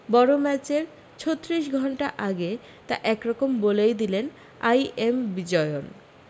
বড় ম্যাচের ছত্রিশ ঘণ্টা আগে তা এক রকম বলেই দিলেন আই এম বিজয়ন